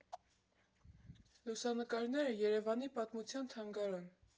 Լուսանկարները՝ Երևանի պատմության թանգարան։